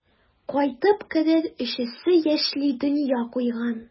Кайтып керер өчесе яшьли дөнья куйган.